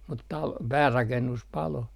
mutta - päärakennus paloi